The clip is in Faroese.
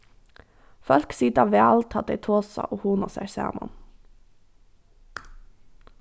fólk sita væl tá tey tosa og hugna sær saman